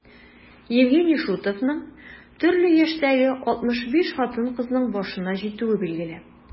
Евгений Шутовның төрле яшьтәге 65 хатын-кызның башына җитүе билгеле.